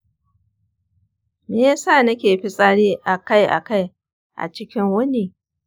me yasa nake fitsari akai-akai a cikin wuni?